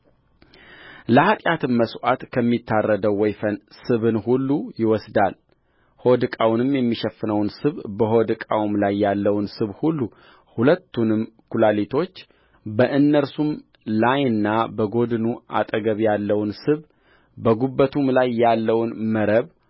ለኃጢአትም መሥዋዕት ከሚታረደው ወይፈን ስብን ሁሉ ይወስዳል ሆድ ዕቃውን የሚሸፍነውን ስብ በሆድ ዕቃውም ላይ ያለውን ስብ ሁሉሁለቱንም ኵላሊቶች በእነርሱም ላይና በጎድኑ አጠገብ ያለውን ስብ በጕበቱም ላይ ያለውን መረብ